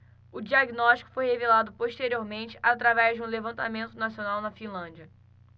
o diagnóstico foi revelado posteriormente através de um levantamento nacional na finlândia